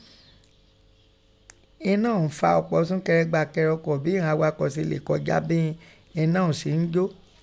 Ená ọ̀ún fa ọ̀pọ̀ súnkẹrẹ gbàkẹrẹ ọkọ̀ bí ighọn aghakọ̀ se lè kọjá bín ẹná ọ̀ún se ńjó.